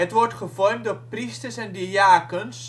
wordt gevormd door priesters en diakens